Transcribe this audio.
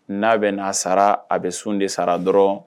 N'a bɛ n'a sara a bɛ sun de sara dɔrɔn